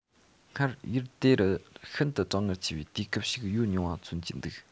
སྔར ཡུལ དེ རུ ཤིན ཏུ གྲང ངར ཆེ བའི དུས སྐབས ཤིག ཡོད མྱོང བ མཚོན གྱི འདུག